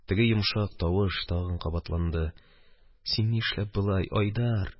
Теге йомшак тавыш тагын кабатланды: – Син нишләп болай... Айдар?